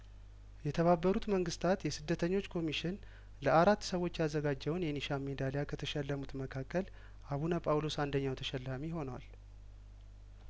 የተባበሩት መንግስታት የስደተኞች ኮሚሽን ለአራት ሰዎች ያዘጋጀውን የኒሻን ሜዳሊያ ከተሸለሙት መካከል አቡነ ጳውሎስ አንደኛው ተሸላሚ ሆነዋል